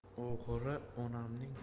oxiri onamning ham